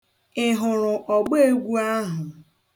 Ị hụrụ ọgbeegwu ahụ?